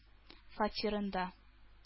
Фатирында